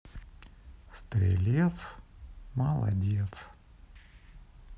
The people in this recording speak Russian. стрелец молодец